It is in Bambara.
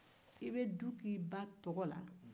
e bɛ du kɛ i ba tɔgɔ la